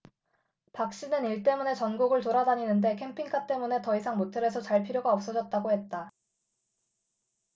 박씨는 일 때문에 전국을 돌아다니는데 캠핑카 때문에 더 이상 모텔에서 잘 필요가 없어졌다고 했다